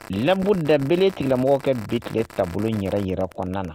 tile taa bolo yɛrɛ yɛrɛ kɔnɔna na